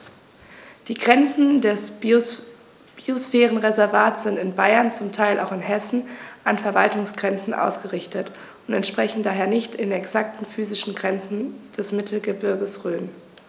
Die Grenzen des Biosphärenreservates sind in Bayern, zum Teil auch in Hessen, an Verwaltungsgrenzen ausgerichtet und entsprechen daher nicht exakten physischen Grenzen des Mittelgebirges Rhön.